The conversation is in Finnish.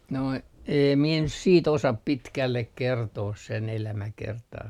nuo en minä nyt sitten osaa pitkälle kertoa sen elämäkertaa